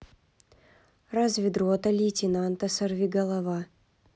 разведрота лейтенанта сорвиголова